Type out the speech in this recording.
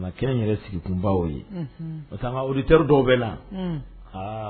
Yɛrɛ sigikun ye olu terir dɔw bɛ na